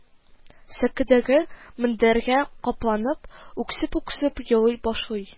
Сәкедәге мендәргә капланып үксеп-үксеп елый башлый